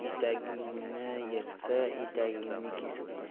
etagingni kesib qoch